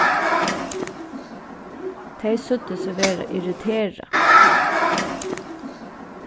tey søgdu seg vera irriterað